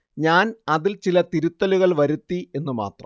ഞാന്‍ അതില്‍ ചില തിരുത്തലുകള്‍ വരുത്തി എന്നു മാത്രം